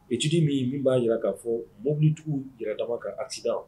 Icdi min min b'a jira k'a fɔ mobilijugu yɛrɛ dama kan ada